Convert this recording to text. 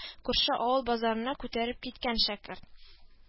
Күрше авыл базарына күтәреп киткән шәкерт